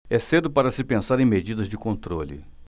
é cedo para se pensar em medidas de controle